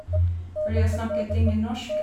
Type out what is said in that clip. Fordi jeg snakket ingen norsk.